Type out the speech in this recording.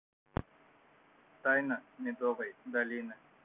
тайна медовой долины